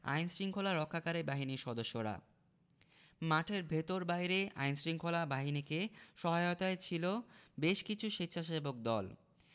আইনশৃঙ্খলা রক্ষাকারী বাহিনীর সদস্যরা মাঠের ভেতর বাইরে আইনশৃঙ্খলা বাহিনীকে সহায়তায় ছিল বেশ কিছু স্বেচ্ছাসেবক দল